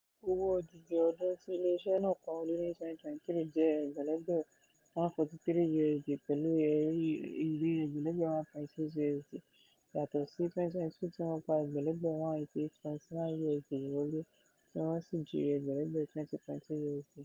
Owó odidi ọdún ti iléeṣé náà pa wọlé ní 2023 jẹ́ ẹgbẹ̀lẹ̀gbẹ̀ 140.3 USD, pẹ̀lú èrè ẹgbẹ̀lẹ̀gbẹ̀ 1.6 USD, yàtọ̀ sí 2022 tí wọ́n pa ẹgbẹ̀lẹ̀gbẹ̀188.9 USD wọlé tí wọ́n sì jèrè ẹgbẹ̀lẹ̀gbẹ̀ 20.2 USD.